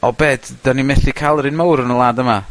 O be' ' dy- 'dyn ni'n methu ca'l yr un mowr yn y wlad yma?